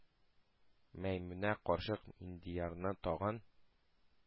Мәймүнә карчык Миндиярны тагын